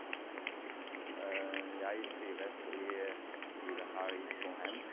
Jeg trives i livet her i Trondheim.